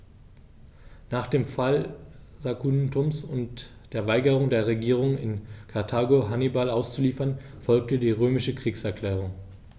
Nach dem Fall Saguntums und der Weigerung der Regierung in Karthago, Hannibal auszuliefern, folgte die römische Kriegserklärung.